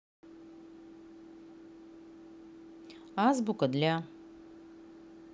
азбука для